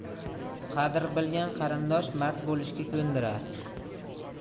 qadr bilgan qarindosh mard bo'lishga ko'ndirar